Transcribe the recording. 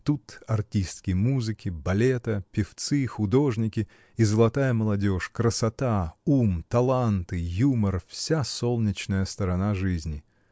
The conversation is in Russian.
Тут артистки музыки, балета, певцы, художники и золотая молодежь, красота, ум, таланты, юмор — вся солнечная сторона жизни!